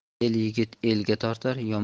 er yigit elga tortar